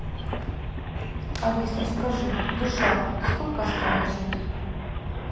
алиса скажи душа сколько осталось жить